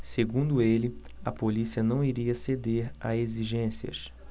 segundo ele a polícia não iria ceder a exigências